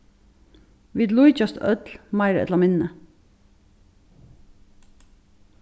vit líkjast øll meira ella minni